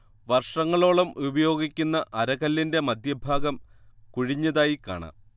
വർഷങ്ങളോളം ഉപയോഗിക്കുന്ന അരകല്ലിന്റെ മധ്യഭാഗം കുഴിഞ്ഞതായി കാണാം